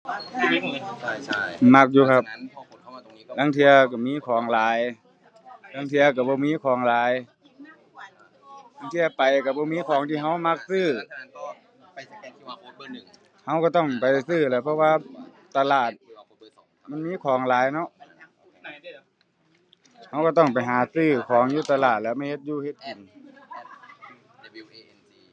มักอยู่ครับ ลางเทื่อก็มีของหลาย ลางเทื่อก็บ่มีของหลาย ลางเทื่อไปก็บ่มีของที่ก็มักซื้อ ก็ก็ต้องไปซื้อล่ะ เพราะว่าตลาดมันมีของหลายเนาะ ก็ก็ต้องไปหาซื้อของอยู่ตลาดล่ะมาเฮ็ดอยู่เฮ็ดกิน